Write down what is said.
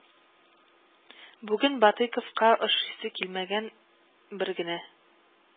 Бүген Бадыйковка охшыйсы килмәгән бер генә